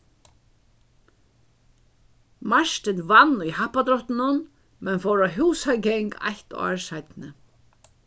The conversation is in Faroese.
martin vann í happadráttinum men fór á húsagang eitt ár seinni